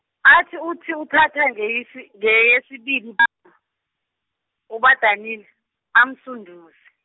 athi uthi uthatha ngeyesi- ngeyesibili , uBadanile amsunduze.